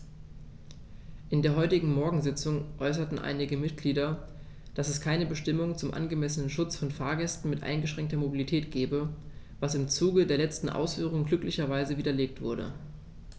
In der heutigen Morgensitzung äußerten einige Mitglieder, dass es keine Bestimmung zum angemessenen Schutz von Fahrgästen mit eingeschränkter Mobilität gebe, was im Zuge der letzten Ausführungen glücklicherweise widerlegt wurde.